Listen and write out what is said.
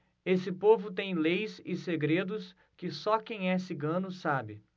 esse povo tem leis e segredos que só quem é cigano sabe